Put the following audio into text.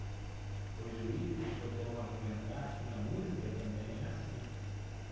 os juízes poderão argumentar que na música também é assim